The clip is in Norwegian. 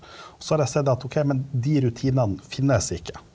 så har jeg sett at ok men de rutinene finnes ikke.